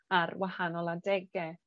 ar wahanol adege.